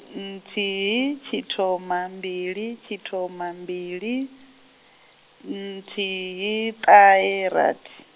nthihi, tshithoma mbili tshithoma mbili, nthihi ṱahe rathi.